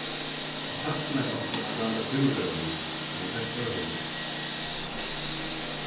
hon saknaði onkran at ganga túrar við so hon fekk sær hund